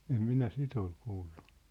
en minä sitä ole kuullut